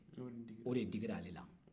o de digira ale la